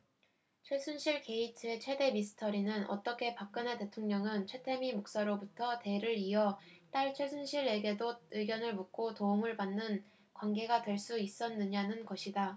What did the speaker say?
최순실 게이트의 최대 미스터리는 어떻게 박근혜 대통령은 최태민 목사로부터 대를 이어 딸 최순실씨에게도 의견을 묻고 도움을 받는 관계가 될 수 있었느냐는 것이다